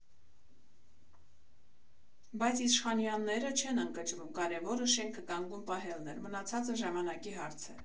Բայց Իշխանյանները չեն ընկճվում, կարևորը շենքը կանգուն պահելն էր, մնացածը ժամանակի հարց է։